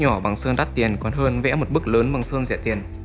mình thà vẽ một bức nhỏ bằng sơn đắt tiền còn hơn vẽ một bức lớn bằng sơn rẻ tiền